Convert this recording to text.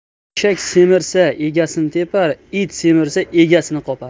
eshak semirsa egasini tepar it semirsa egasini qopar